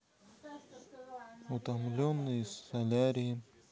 утомленные солярием